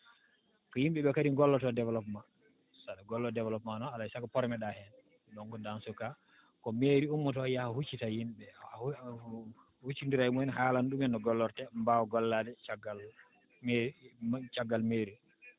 ko yimɓe ɓe kadi gollo développement saɗa golloo développement noon alaa e sago pormé ɗaa heen donc dans ce cas ko mairie ummotoo yaha huccita e yimɓe ɓee hucconndira e mumen haalana ɗumen no gollortee mbaawa gollaade caggal mairie o